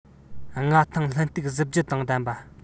མངའ ཐང ལྷུན སྟུག གཟི བརྗིད དང ལྡན པ